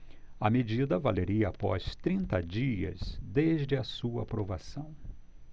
a medida valeria após trinta dias desde a sua aprovação